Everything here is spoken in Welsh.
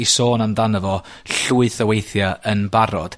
'i sôn amdano fo llwyth o weithiau yn barod.